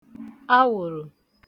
awụ̀rụ̀